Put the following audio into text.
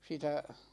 sitä